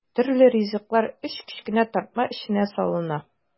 Төрле ризыклар өч кечкенә тартма эченә салына.